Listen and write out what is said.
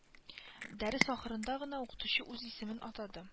Дәрес ахырында гына укытучы үз исемен атады